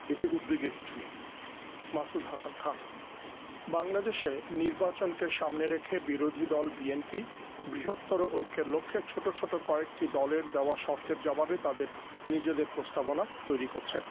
এতে উদ্বেগের কিছু নেই মাসুদ হাসান খান বাংলাদেশে নির্বাচনকে সামনে রেখে বিরোধী দল বিএনপি বৃহত্তর ঐক্যের লক্ষ্যে ছোট ছোট কয়েকটি দলের জবাবে দেয়া শর্তের জবাবে তাদের নিজেদের প্রস্তাবনা তৈরি করছে